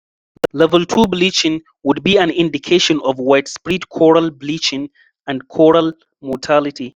Level Two bleaching would be an indication of widespread coral bleaching and coral mortality.